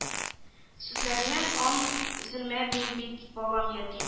Сүзләреңнән ан өзелә мин ятим балам ятим